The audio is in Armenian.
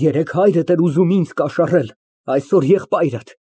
Երեկ հայրդ էր ուզում ինձ կաշառել, այսօր ֊ եղբայրդ։